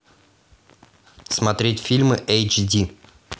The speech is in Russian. смотреть фильмы эйч ди